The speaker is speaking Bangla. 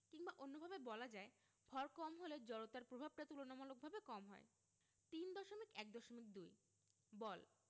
কিংবা অন্যভাবে বলা যায় ভর কম হলে জড়তার প্রভাবটা তুলনামূলকভাবে কম হয় ৩.১.২ বল